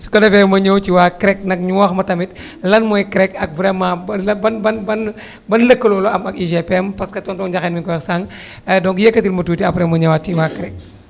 su ko defee ma ñëw ci waa CREC nag ñu wax ma tamit lan mooy CREC ak vraiment la ban ban ban ban lëkkaloo la am ak UGPM parce que tonton Ndiakhate mi ngi koy wax sànq donc yëkkatil ma tuuti après ma ñëwaat ci waa CREC